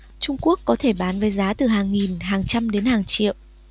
trung quốc có thể bán với giá từ hàng nghìn hàng trăm đến hàng triệu